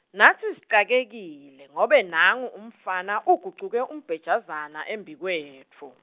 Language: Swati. natsi sicakekile, ngobe nangu umfana ugucuke umbhejazane embikwetfu.